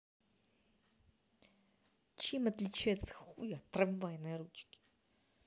чем отличается хуй от трамвайной ручки